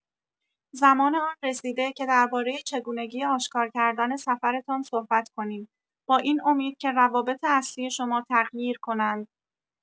زمان آن رسیده که درباره چگونگی آشکارکردن سفرتان صحبت کنیم، با این امید که روابط اصلی شما تغییر کنند.